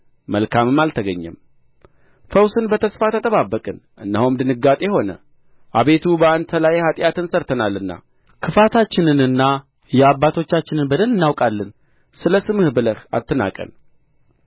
መልካምም አልተገኘም ፈውስን በተስፋ ተጠባበቅን እነሆም ድንጋጤ ሆነ አቤቱ በአንተ ላይ ኃጢአትን ሠርተናልና ክፋታችንንና የአባቶቻችንን በደል እናውቃለን ስለ ስምህ ብለህ አትናቀን